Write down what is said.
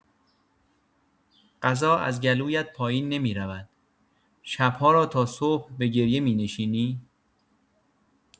غذا از گلویت پایین نمی‌رود، شب‌ها را تا صبح به گریه می‌نشینی.